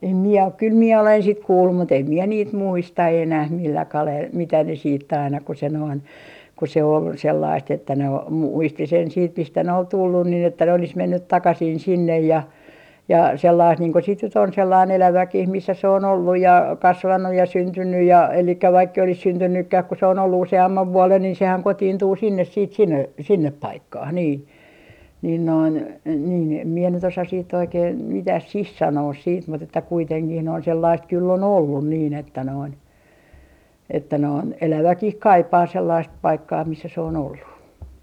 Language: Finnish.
en minä ole kyllä minä olen sitten kuullut mutta en minä niitä muista enää millä kalella mitä ne sitten aina kun se noin kun se oli sellaista että ne -- muisti sen sitten mistä ne oli tullut niin että ne olisi mennyt takaisin sinne ja ja sellaista niin kuin sitten nyt on sellainen eläväkin missä se on ollut ja kasvanut ja syntynyt ja eli vaikka ei olisi syntynytkään kun se on ollut useamman vuoden niin sehän kotiintuu sinne sitten sinne sinne paikkaan niin niin noin niin en minä nyt osaisi sitten oikein mitä siihen sanoisi sitten mutta että kuitenkin noin sellaista kyllä oli ollut niin että noin että noin eläväkin kaipaa sellaista paikkaa missä se on ollut